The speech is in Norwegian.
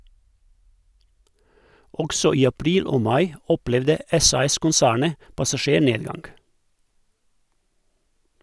Også i april og mai opplevde SAS-konsernet passasjernedgang.